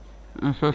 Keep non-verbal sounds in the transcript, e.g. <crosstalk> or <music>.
<hesitation> <hesitation>